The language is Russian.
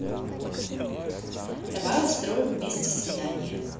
давай устроим вместе свидание